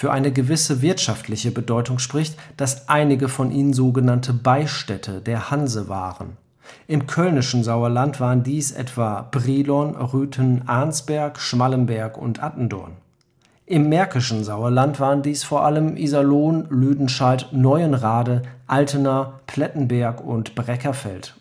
eine gewisse wirtschaftliche Bedeutung spricht, dass einige von ihnen sogenannte „ Beistädte “der Hanse waren. Im kölnischen Sauerland waren dies etwa Brilon, Rüthen, Arnsberg, Schmallenberg und Attendorn. Im märkischen Sauerland waren dies vor allem Iserlohn, Lüdenscheid, Neuenrade, Altena, Plettenberg und Breckerfeld